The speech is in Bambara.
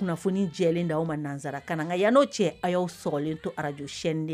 Kunnafoni jɛlen da aw ma nanzsara kakan yan n'o cɛ aw y'aw sɔrɔlen to arajcden